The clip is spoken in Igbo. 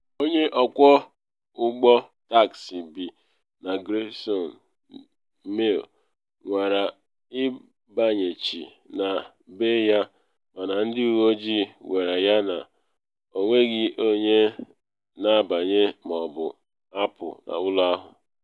Onye ọkwọ ụgbọ taksị bi na Grayson Mew nwara ịbanyechi na be ya mana ndị uwe ojii gwara ya na ọ nweghị onye na abanye ma ọ bụ apụ n’ụlọ ahụ.